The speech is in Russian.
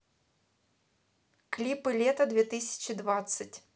клипы лето две тысячи двадцать